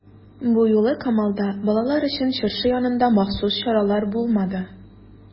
Бу юлы Камалда балалар өчен чыршы янында махсус чаралар булмады.